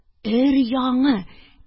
Өр-яңы!